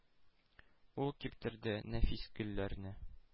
Ул киптерде нәфис гөлләрне,